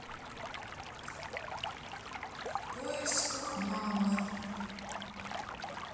в поисках мамы